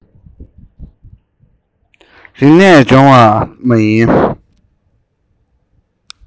རིག གནས སྦྱོང བ མ ཡིན